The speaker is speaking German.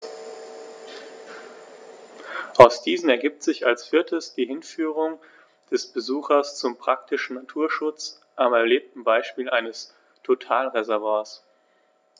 Aus diesen ergibt sich als viertes die Hinführung des Besuchers zum praktischen Naturschutz am erlebten Beispiel eines Totalreservats.